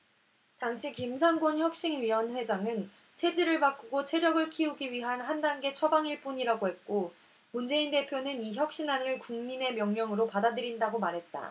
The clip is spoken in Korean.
당시 김상곤 혁신위원회장은 체질을 바꾸고 체력을 키우기 위한 한 단계 처방일 뿐이라고 했고 문재인 대표는 이 혁신안을 국민의 명령으로 받아들인다고 말했다